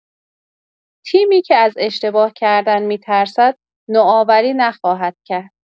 تیمی که از اشتباه کردن می‌ترسد، نوآوری نخواهد کرد.